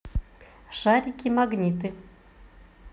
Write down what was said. шарики магниты